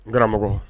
Karamɔgɔ